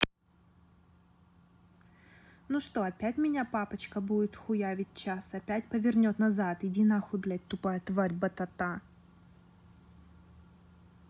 ну что у меня папочка будет хуя вить час опять повернет назад иди нахуй блядь тупая тварь батата